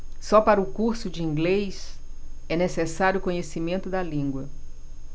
só para o curso de inglês é necessário conhecimento da língua